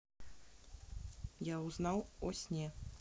я узнал о сне